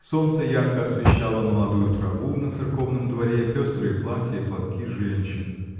Солнце ярко освещало молодую траву на церковном дворе, пестрые платья и платки женщин